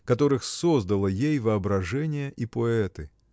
которых создало ей воображение и поэты!